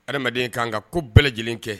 Adamadamaden ka kan ka ko bɛɛ lajɛlen kɛ